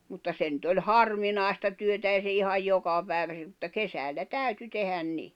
mutta se nyt oli harvinaista työtä ei se ihan joka päivä se mutta kesällä täytyi tehdä niin